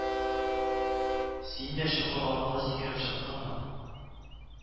Син дә чокыр аркылы сикереп чыктыңмы